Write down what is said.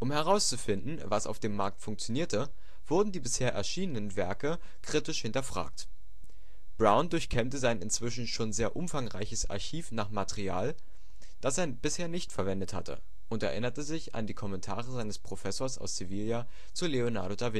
herauszufinden, was auf dem Markt funktionierte, wurden die bisher erschienenen drei Werke kritisch hinterfragt: Brown durchkämmte sein inzwischen schon sehr umfangreiches Archiv nach Material, das er bisher nicht verwendet hatte, und erinnerte sich an die Kommentare seines Professors aus Sevilla zu Leonardo